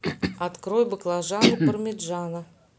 открой баклажаны пармиджано